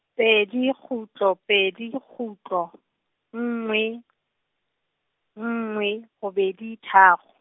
pedi kgutlo, pedi kgutlo nngwe, nngwe robedi tharo.